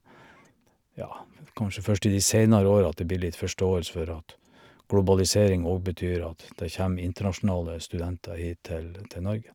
Ja, kanskje først i de seinere år at det blir litt forståelse for at globalisering óg betyr at det kjem internasjonale studenter hit til til Norge.